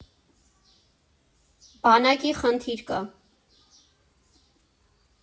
Բանակի խնդիր կա։